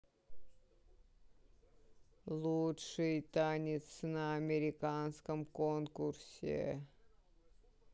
лучший танец на американском конкурсе